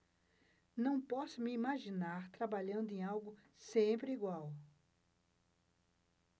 não posso me imaginar trabalhando em algo sempre igual